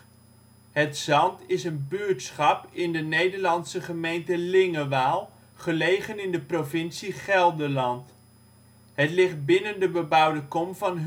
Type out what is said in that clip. Het Zand is een buurtschap in de Nederlandse gemeente Lingewaard, gelegen in de provincie Gelderland. Het ligt binnen de bebouwde kom van